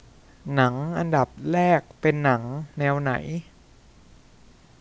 หนังอันดับแรกเป็นหนังแนวไหน